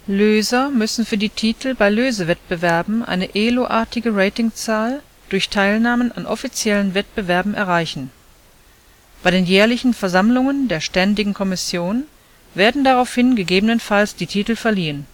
Löser müssen für die Titel bei Lösewettbewerben eine eloartige Ratingzahl durch Teilnahmen an offiziellen Wettbewerben erreichen. Bei den jährlichen Versammlungen der Ständigen Kommission werden daraufhin gegebenenfalls die Titel verliehen